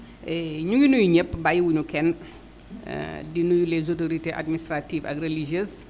ñu ngi nuyu ñëpp bàyyi wuñu kenn di nuyu les autorités administratives ak religieuses